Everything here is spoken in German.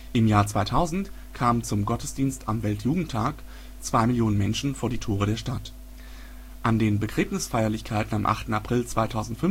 Im Jahr 2000 kamen zum Gottesdienst am Weltjugendtag zwei Millionen Menschen vor die Tore der Stadt. An den Begräbnisfeierlichkeiten am 8. April 2005